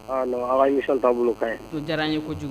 Aa non a' ka émissio taaboloa kaɲi o diyar'an ye kojugu